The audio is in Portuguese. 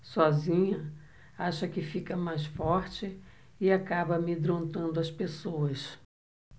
sozinha acha que fica mais forte e acaba amedrontando as pessoas